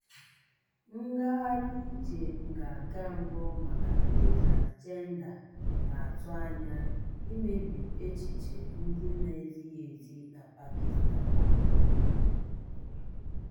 Ngagharị ije nganga mbụ maka ndị transịjenda na-atụ anya imebi echiche ndị na-ezighị ezi na Pakistan